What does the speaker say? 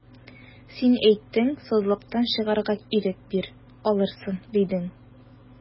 Син әйттең, сазлыктан чыгарга ирек бир, алырсың, дидең.